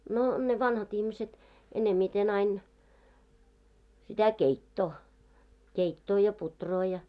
no ne vanhat ihmiset enemmiten aina sitä keittoa keittoa ja puuroa ja